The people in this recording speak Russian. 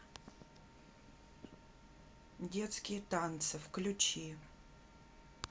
детские танцы включи